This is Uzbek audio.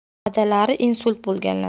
adalari insult bo'lganlar